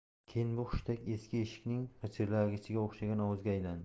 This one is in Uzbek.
keyin bu hushtak eski eshikning g'ijirlashiga o'xshagan ovozga aylandi